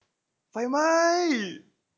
ไฟไหม้